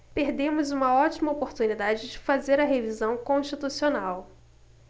perdemos uma ótima oportunidade de fazer a revisão constitucional